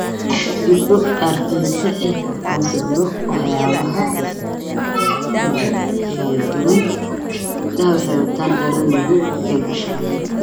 Gabdho artiste ah oo sawiro waxyabaha ee Kala Duwan gabdhaha Waxey wataan dhar madow waxey ku fadhiyaan kursi buluug ah